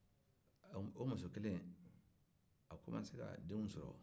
o muso kelen a tun ma se ka denw sɔrɔ